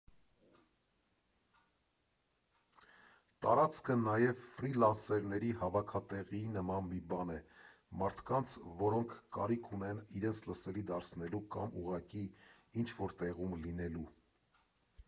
Տարածքը նաև ֆրիլանսերների հավաքատեղիի նման մի բան է՝ մարդկանց, որոնք կարիք ունեն իրենց լսելի դարձնելու կամ ուղղակի ինչ֊որ տեղում լինելու։